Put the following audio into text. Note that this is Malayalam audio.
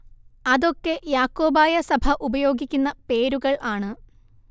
അത് ഒക്കെ യാക്കോബായ സഭ ഉപയോഗിക്കുന്ന പേരുകൾ ആണ്